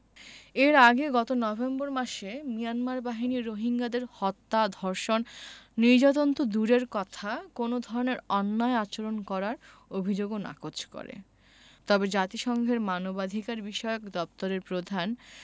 এর আগে গত নভেম্বর মাসে মিয়ানমার বাহিনী রোহিঙ্গাদের হত্যা ধর্ষণ নির্যাতন তো দূরের কথা কোনো ধরনের অন্যায় আচরণ করার অভিযোগও নাকচ করে তবে জাতিসংঘের মানবাধিকারবিষয়ক দপ্তরের প্রধান